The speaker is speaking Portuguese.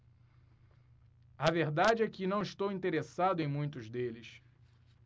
a verdade é que não estou interessado em muitos deles